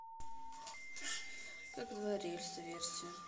как два рельса версия